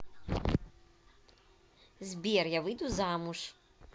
сбер я выйду замуж